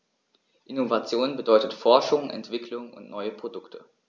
Innovation bedeutet Forschung, Entwicklung und neue Produkte.